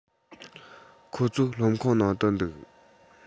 ཁོ ཚོ སློབ ཁང ནང དུ འདུག